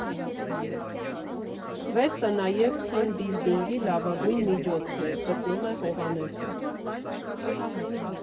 Քվեսթը նաև թիմ բիլդինգի լավագույն միջոցն է, ֊ գտնում է Հովհաննեսը։